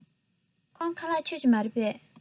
ཁོང ཁ ལག མཆོད ཀྱི མ རེད པས